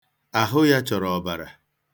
Ahụ ya chọrọ ọbara.